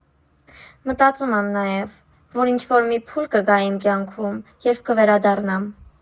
Մտածում եմ նաև, որ ինչ֊որ մի փուլ կգա իմ կյանքում, երբ կվերադառնամ։